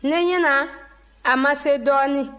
ne ɲɛna a ma se dɔɔnin